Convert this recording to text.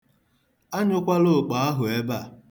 Anyụkwala okpo ahụ ebe a.